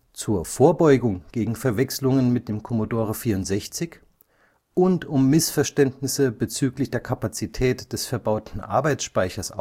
Zur Vorbeugung gegen Verwechslungen mit dem Commodore 64 und um Missverständnisse bezüglich der Kapazität des verbauten Arbeitsspeichers